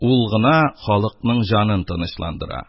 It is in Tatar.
Ул гына халыкның җанын тынычландыра: